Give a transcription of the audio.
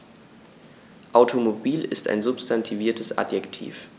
Automobil ist ein substantiviertes Adjektiv.